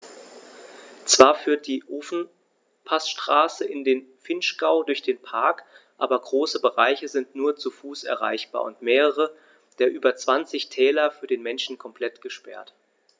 Zwar führt die Ofenpassstraße in den Vinschgau durch den Park, aber große Bereiche sind nur zu Fuß erreichbar und mehrere der über 20 Täler für den Menschen komplett gesperrt.